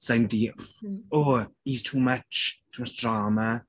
Sai'n dea... oh he's too much. Too much drama.